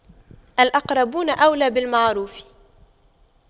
الأقربون أولى بالمعروف